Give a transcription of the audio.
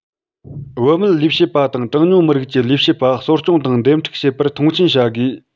བུད མེད ལས བྱེད པ དང གྲངས ཉུང མི རིགས ཀྱི ལས བྱེད པ གསོ སྐྱོང དང འདེམས སྒྲུག བྱེད པར མཐོང ཆེན བྱ དགོས